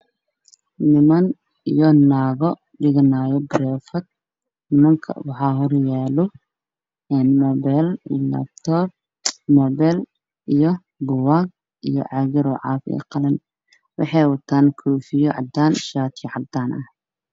Waa niman iyo naago dhiganaayo xadlad, nimanka waxaa horyaalo muubeel iyo laabtoob, muubeel iyo buugaag, caag caafi ah oo qalin ah waxay wataan shaatiyo cadaan ah iyo koofiyo cadaan ah.